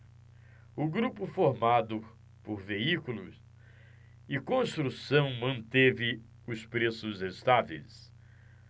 o grupo formado por veículos e construção manteve os preços estáveis